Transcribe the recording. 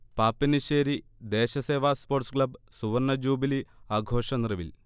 Pappinisseri Desha Seva sports club സുവർണജൂബിലി ആഘോഷനിറവിൽ